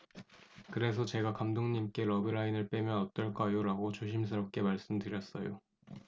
그래서 제가 감독님께 러브라인을 빼면 어떨까요라고 조심스럽게 말씀드렸어요